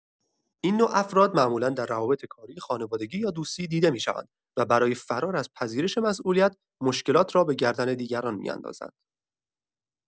این نوع افراد معمولا در روابط کاری، خانوادگی یا دوستی دیده می‌شوند و برای فرار از پذیرش مسئولیت، مشکلات را به گردن دیگران می‌اندازند.